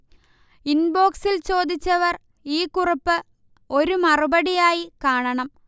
ഇൻബോക്സിൽ ചോദിച്ചവർ ഈ കുറിപ്പ് ഒരു മറുപടി ആയി കാണണം